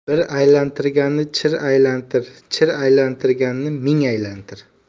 bir aylantirganni chir aylantir chir aylantirganni ming aylantir